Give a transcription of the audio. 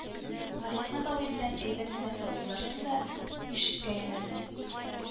Галиәхмәт абый белән әйбәт кенә саубуллашты да, ишеккә юнәлде